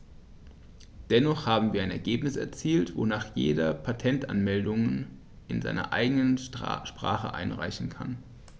Dennoch haben wir ein Ergebnis erzielt, wonach jeder Patentanmeldungen in seiner eigenen Sprache einreichen kann.